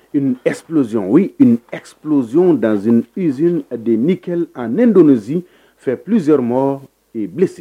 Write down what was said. Ni e pbulonz o ye ni ppbulonz danz fizi de ni kɛ n don zi fɛ psi mɔgɔ bilisi